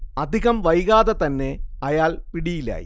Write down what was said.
അധികം വൈകാതെ തന്നെ അയാൾ പിടിയിലായി